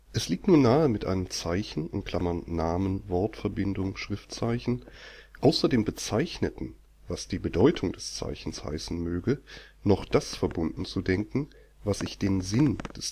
Es liegt nun nahe, mit einem Zeichen (Namen, Wortverbindung, Schriftzeichen) außer dem Bezeichneten, was die Bedeutung des Zeichens heißen möge, noch das verbunden zu denken, was ich den Sinn